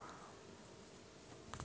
веселый фильм